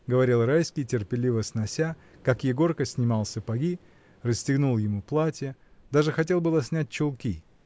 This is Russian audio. — говорил Райский, терпеливо снося, как Егорка снимал сапоги, расстегнул ему платье, даже хотел было снять чулки.